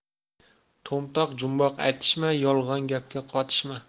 to'mtoq jumboq aytishma yolg'on gapga qotishma